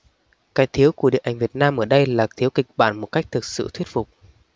cái thiếu của điện ảnh việt nam ở đây là thiếu kịch bản một cách thực sự thuyết phục